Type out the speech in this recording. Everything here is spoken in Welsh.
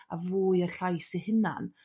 A fwy y llais 'i hunan.